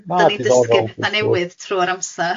dan ni'n dysgu petha newydd trwy'r amser.